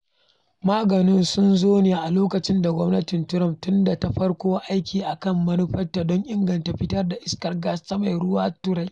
Maganganun sun zo ne a lokacin da gwamnatin Trump tun da ta fara aiki a kan manufa don inganta fitar da iskar gas ta mai ruwa zuwa Turai, ta maye gurbin Rasha, mafi arhan zaɓi ga masu amfani da shi a Turai.